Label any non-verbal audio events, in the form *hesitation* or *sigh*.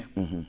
*hesitation* *hesitation*